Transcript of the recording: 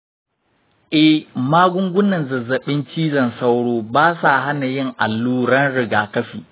eh, magungunan zazzabin cizon sauro ba sa hana yin alluran rigakafi.